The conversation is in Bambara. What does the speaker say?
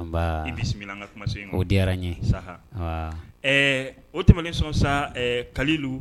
Bisimila bisimila ka so in o diyara n ye sa o tɛmɛn son sa kalilu